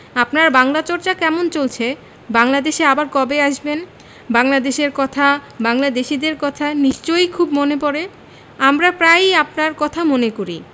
আপনার বাংলা চর্চা কেমন চলছে বাংলাদেশে আবার কবে আসবেন বাংলাদেশের কথা বাংলাদেশীদের কথা নিশ্চয় খুব মনে পরে আমরা প্রায়ই আপনারর কথা মনে করি